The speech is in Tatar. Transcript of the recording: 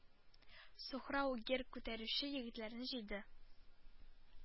Сухрау гер күтәрүче егетләрне җыйды